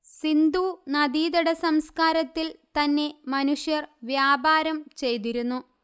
സിന്ധു നദീതടസംസ്കാരത്തിൽ തന്നെ മനുഷ്യർ വ്യാപാരം ചെയ്തിരുന്നു